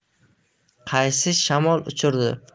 qaysi shamol uchirdi